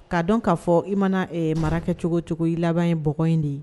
K kaa dɔn k'a fɔ i mana marakɛ cogocogo i laban ye b in de ye